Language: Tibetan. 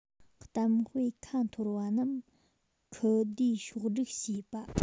གཏམ དཔེ ཁ འཐོར བ རྣམས ཁུ བསྡུས ཕྱོགས སྒྲིག བྱས པ